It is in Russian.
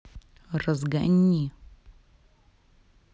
разгони